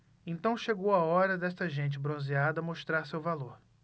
então chegou a hora desta gente bronzeada mostrar seu valor